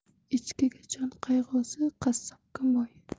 echkiga jon qayg'usi qassobga moy